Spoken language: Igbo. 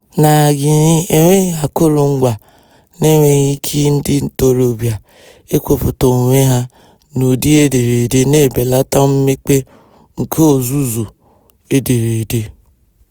Na Guinea, enweghi akụrụngwa na enweghị ike ndị ntorobịa ikwupụta onwe ha n'ụdị ederede na-ebelata mmepe nke ozuzu ederede.